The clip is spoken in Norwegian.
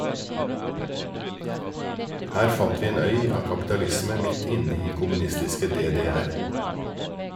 Her fant vi en øy av kapitalisme midt inne i kommunistiske DDR.